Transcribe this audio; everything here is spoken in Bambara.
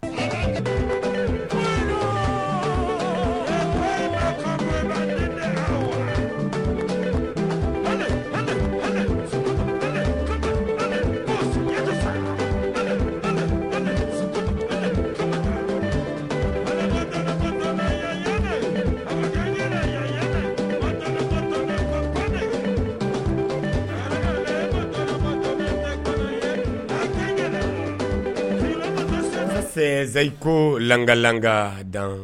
Ikolanlanga dan